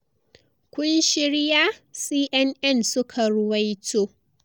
Kun shirya?” CNN suka ruwaito.